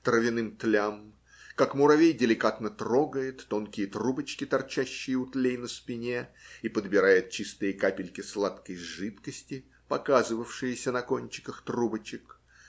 травяным тлям, как муравей деликатно трогает тонкие трубочки, торчащие у тлей на спине, и подбирает чистые капельки сладкой жидкости, показывавшиеся на кончиках трубочек.